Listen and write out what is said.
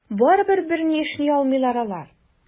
Барыбер берни эшли алмыйлар алар.